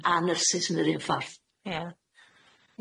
A nyrsys yn yr un ffordd. Ie.